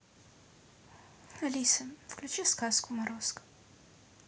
алиса включи сказку морозко